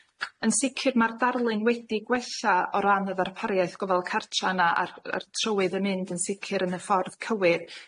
Yn sicr ma'r darlun wedi gwella o ran y ddarpariaeth gofal cartra 'na a'r a'r trywydd yn mynd yn sicr yn y ffordd cywir.